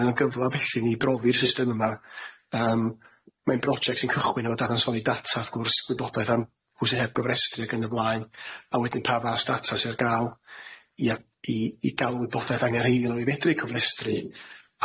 a ma' o'n gyfla felly i brofi'r system yma yym mae'n project sy'n cychwyn efo dadansoddi data wrth gwrs, gwybodaeth am hw sy heb gyfrestru ag yn y blaen a wedyn pa fas data sy ar ga'l ia, i i ga'l wybodaeth angenrheidiol i medru cyfrestru,